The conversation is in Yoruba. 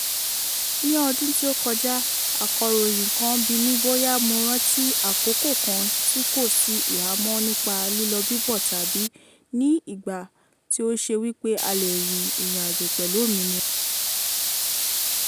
Ní ọdún tí ó kọjá, akọ̀ròyìn kan bimí bóyá mo rántí àkókò kan tí kò sì ìhámọ́ nípa lílọ-bíbọ̀ tàbí ní ìgbà tí ó ṣe wípé a lè rin ìrìn àjò pẹ̀lú òmìnira.